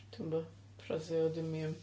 Dwi'm yn gwybod, Praseodymium.